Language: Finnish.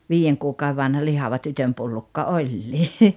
viiden kuukauden vanha lihava tytönpullukka olikin